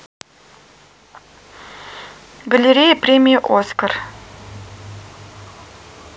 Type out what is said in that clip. галерея премии оскар